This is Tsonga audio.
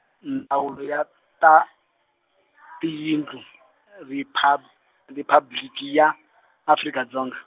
Ndzawulo ya ta, Tiyindlu Riphab- Riphabliki ya, Afrika Dzonga.